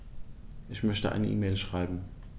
Ich möchte eine E-Mail schreiben.